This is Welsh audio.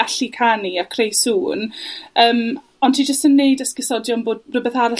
allu canu, a creu sŵn. Yym, ond dwi jyst yn neud esgusodion bod rhwbeth arall